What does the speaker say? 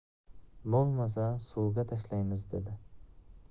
bo'lmasa suvga tashlaymiz dedi